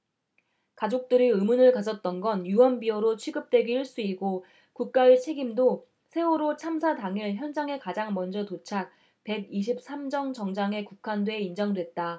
가족들이 의문을 가졌던 건 유언비어로 취급되기 일쑤이고 국가의 책임도 세월호 참사 당일 현장에 가장 먼저 도착 백 이십 삼 정 정장에 국한 돼 인정됐다